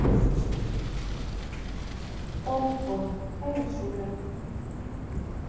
okko эми шумер